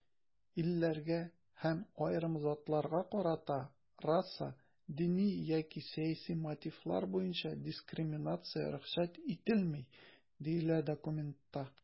"илләргә һәм аерым затларга карата раса, дини яки сәяси мотивлар буенча дискриминация рөхсәт ителми", - диелә документта.